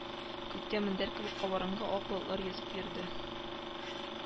Күктә мендәр кебек кабарынкы ак болытлар йөзеп йөрде